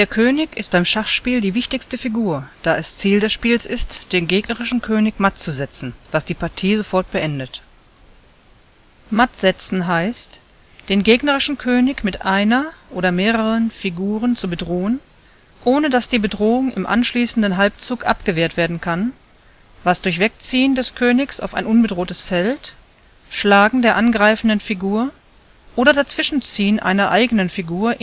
König ist beim Schachspiel die wichtigste Figur, da es Ziel des Spiels ist, den gegnerischen König Matt zu setzen, was die Partie sofort beendet. Matt setzen heißt, den gegnerischen König mit einer (oder mehreren) Figur (en) zu bedrohen, ohne dass die Bedrohung im anschließenden Halbzug abgewehrt werden kann, was durch Wegziehen des Königs auf ein unbedrohtes Feld, Schlagen der angreifenden Figur oder Dazwischenziehen einer Figur